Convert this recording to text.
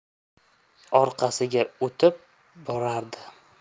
orqasiga o'tib borardi